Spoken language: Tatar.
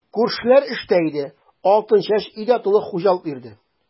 Күршеләр эштә иде, Алтынчәч өйдә тулы хуҗа булып йөрде.